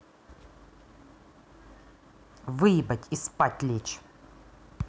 выебать и спать лечь